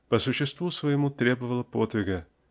по существу своему требовала подвига